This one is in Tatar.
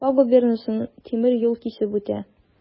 Уфа губернасын тимер юл кисеп үтә.